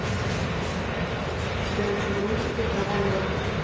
включи мультик про валеру